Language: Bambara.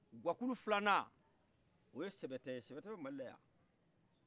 guakulu filanna oye sɛbɛtɛye sɛbɛtɛ be malilayan